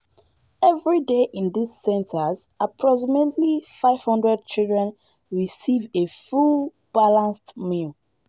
Every day in these centres approximately 500 children receive a full, balanced meal.